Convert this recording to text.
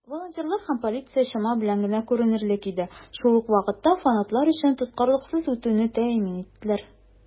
Волонтерлар һәм полиция чама белән генә күренерлек иде, шул ук вакытта фанатлар өчен тоткарлыксыз үтүне тәэмин иттеләр.